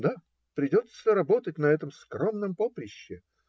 "Да, придется работать на этом скромном поприще,